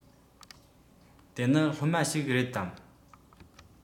དེ ནི སློབ མ ཞིག རེད དམ